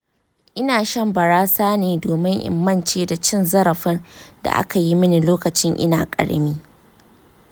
ina shan barasa ne domin in mance da cin zarafin da aka yi mini lokacin ina ƙarami.